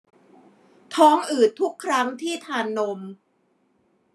ท้องอืดทุกครั้งที่ทานนม